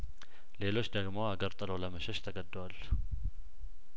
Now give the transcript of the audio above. ሌሎች ደግሞ ሀገር ጥለው ለመሸሽ ተገደዋል